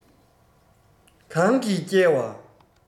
གང གིས བསྐྱལ བ